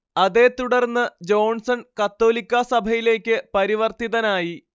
അതേത്തുടർന്ന് Johnson കത്തോലിക്കാസഭയിലേക്ക് പരിവർത്തിതനായി